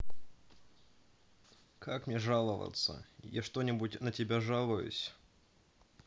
как мне жаловаться я что нибудь на тебя жалуюсь